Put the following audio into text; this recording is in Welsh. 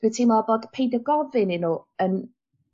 Dwi teimlo bod peidio gofyn i n'w yn